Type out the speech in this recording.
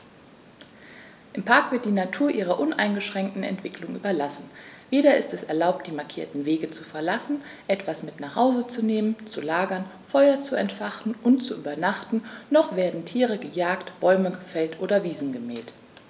Im Park wird die Natur ihrer uneingeschränkten Entwicklung überlassen; weder ist es erlaubt, die markierten Wege zu verlassen, etwas mit nach Hause zu nehmen, zu lagern, Feuer zu entfachen und zu übernachten, noch werden Tiere gejagt, Bäume gefällt oder Wiesen gemäht.